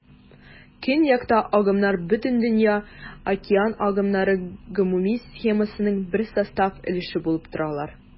Көньякта агымнар Бөтендөнья океан агымнары гомуми схемасының бер состав өлеше булып торалар.